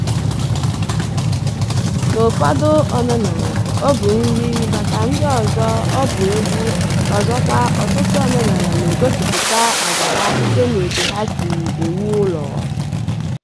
N'ụfọdụ omenaala, ọ bụ nri, maka ndị ọzọ ọ bụ egwu, ọzọkwa ọtụtụ omenala na-egosipụta agwa ha site na etu ha si ewu ụlọ.